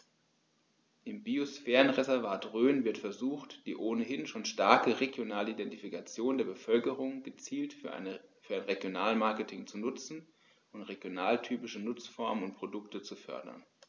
Im Biosphärenreservat Rhön wird versucht, die ohnehin schon starke regionale Identifikation der Bevölkerung gezielt für ein Regionalmarketing zu nutzen und regionaltypische Nutzungsformen und Produkte zu fördern.